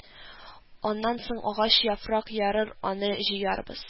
Аннан соң агач яфрак ярыр, аны җыярбыз